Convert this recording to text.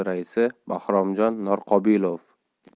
raisi bahromjon norqobilov